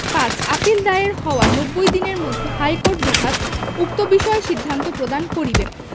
৫ appeal দায়ের হওয়ার নব্বই দিনের মধ্যে হাইকোর্ট বিভাগ উক্ত বিষয়ে সিদ্ধান্ত প্রদান করিবে